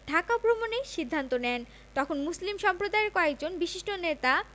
ঢাকা ভ্রমণের সিদ্ধান্ত নেন তখন মুসলিম সম্প্রদায়ের কয়েকজন বিশিষ্ট নেতা